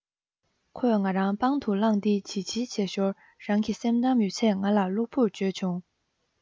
ཁོས ང རང པང དུ བླངས ཏེ བྱིལ བྱིལ བྱེད ཞོར རང གི སེམས གཏམ ཡོད ཚད ང ལ ལྷུག པོར བརྗོད བྱུང